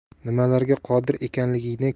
nimalarga qodir ekanligingni